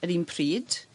Yr un pryd.